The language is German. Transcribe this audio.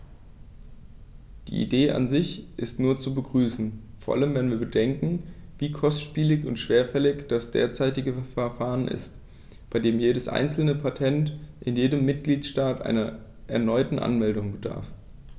Die Idee an sich ist nur zu begrüßen, vor allem wenn wir bedenken, wie kostspielig und schwerfällig das derzeitige Verfahren ist, bei dem jedes einzelne Patent in jedem Mitgliedstaat einer erneuten Anmeldung bedarf.